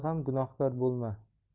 ham gunohkor bo'lma